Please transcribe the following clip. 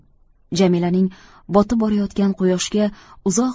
jamilaning botib borayotgan quyoshga uzoq